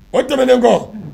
O tɛmɛnnen kɔ.